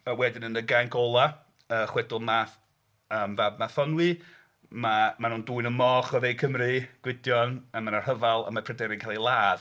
A wedyn yn y gainc ola', yy chwedl Math fab Mathonwy mae... maen nhw'n dwyn y moch o dde Cymru, Gwydion, a mae 'na rhyfel a mae Pryderi'n cael ei ladd.